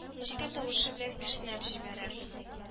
Нечкә тавышы белән кешнәп җибәрә